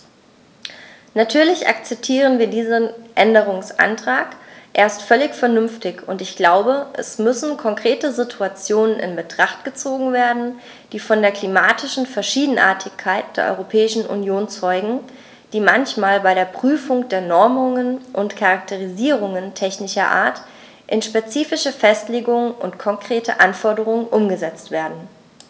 Natürlich akzeptieren wir diesen Änderungsantrag, er ist völlig vernünftig, und ich glaube, es müssen konkrete Situationen in Betracht gezogen werden, die von der klimatischen Verschiedenartigkeit der Europäischen Union zeugen, die manchmal bei der Prüfung der Normungen und Charakterisierungen technischer Art in spezifische Festlegungen und konkrete Anforderungen umgesetzt werden.